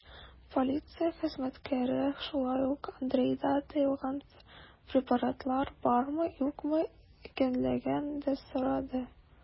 Полиция хезмәткәре шулай ук Андрейда тыелган препаратлар бармы-юкмы икәнлеген дә сорады.